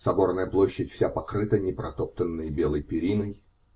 Соборная площадь вся покрыта непротоптанной белой периной.